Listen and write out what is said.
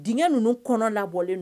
Diŋɛ nunnu kɔnɔ labɔlen d